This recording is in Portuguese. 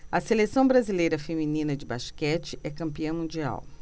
a seleção brasileira feminina de basquete é campeã mundial